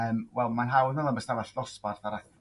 yym wel ma'n hawdd meddwl am yr ystafall ddosbarth yr ath-